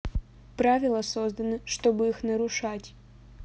правила созданы чтобы их нарушать